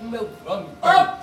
Nin bɛ dɔlɔ min